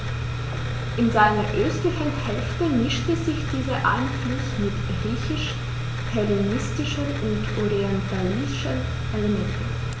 In seiner östlichen Hälfte mischte sich dieser Einfluss mit griechisch-hellenistischen und orientalischen Elementen.